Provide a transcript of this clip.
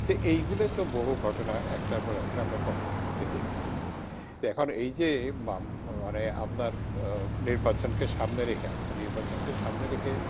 তো এগুলো তো বহু ঘটনা একটার পর একটা আমরা পত্র-পত্রিকায় দেখছি এখন এই যে মানে আপনার নির্বাচনকে সামনে রেখে আপনি নির্বাচনকে সামনে রেখে